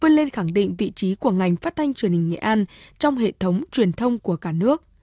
vươn lên khẳng định vị trí của ngành phát thanh truyền hình nghệ an trong hệ thống truyền thông của cả nước